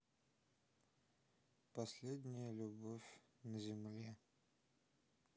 последняя любовь на земле